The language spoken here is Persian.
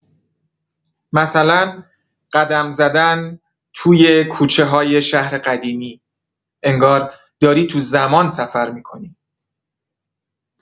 مثلا قدم زدن توی کوچه‌های یه شهر قدیمی، انگار داری تو زمان سفر می‌کنی.